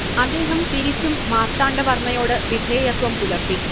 അദ്ദേഹം തിരിച്ചും മാർത്താണ്ഡ വർമ്മയോട് വിധേയത്വം പുലർത്തി